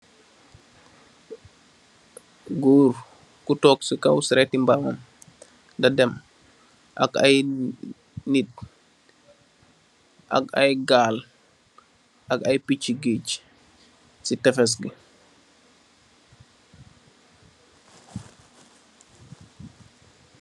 Gór gu tóóg ci kaw sereti mbaam di dem ak ay nit ak ay gal ak ay picci gaaj ci tefes ngi.